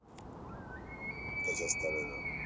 дача сталина